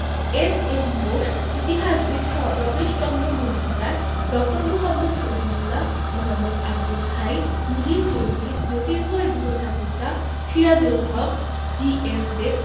S N Bose ইতিহাসবিদ রমেশচন্দ্র মজুমদার ড. মুহাম্মদ শহীদুল্লাহ মোঃ আবদুল হাই মুনির চৌধুরী জ্যোতির্ময় গুহঠাকুরতা সিরাজুল হক জি.এস দেব